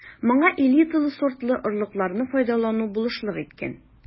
Моңа элиталы сортлы орлыкларны файдалану булышлык иткән.